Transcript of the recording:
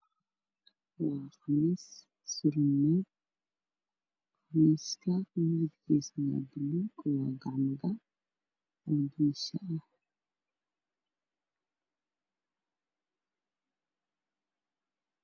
Waa guri mideb kiisu yahay madow wuxuu leyahay darjiimo cadaan ah